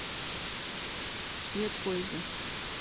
нет поезда